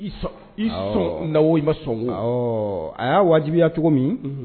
I sɔn i sɔn i lawo ma sɔn a y'a wajibiya cogo min